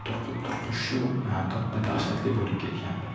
erining turqi shu topda dahshatli bo'iib ketgandi